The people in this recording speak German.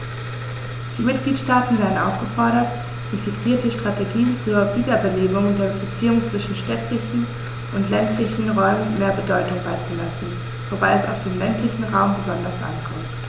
Die Mitgliedstaaten werden aufgefordert, integrierten Strategien zur Wiederbelebung der Beziehungen zwischen städtischen und ländlichen Räumen mehr Bedeutung beizumessen, wobei es auf den ländlichen Raum besonders ankommt.